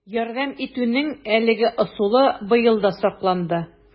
Ярдәм итүнең әлеге ысулы быел да сакланды: